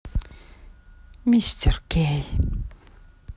мистер кей